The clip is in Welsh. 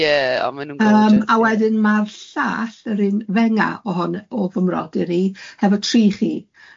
Ie, o maen nhw'n gorgeous. Yym a wedyn ma'r llall yr un fenga ohon- o fy mrodyr i hefo tri chi,